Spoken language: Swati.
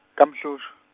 KaMhlush-.